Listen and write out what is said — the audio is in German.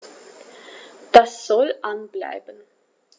Das soll an bleiben.